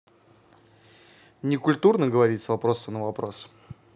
некультурно говорить с вопросом на вопрос